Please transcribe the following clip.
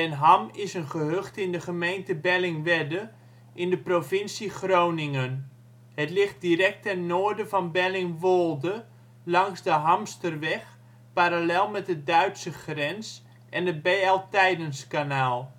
Ham is een gehucht in de gemeente Bellingwedde in de provincie Groningen. Het ligt direct ten noorden van Bellingwolde, langs de Hamsterweg, parallel met de Duitse grens en het B.L. Tijdenskanaal